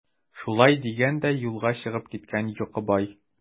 Шулай дигән дә юлга чыгып киткән Йокыбай.